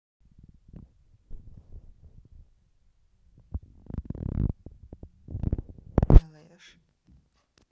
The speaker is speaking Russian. ты что то делаешь его концовке нихера не делаешь